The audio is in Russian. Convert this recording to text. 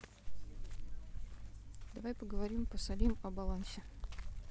давай поговорим посолим о балансе